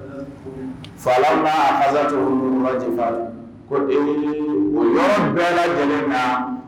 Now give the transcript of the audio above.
Fa masa ko ee u bɛɛ dɛmɛ na